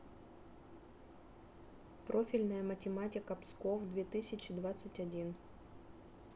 профильная математика псков две тысячи двадцать один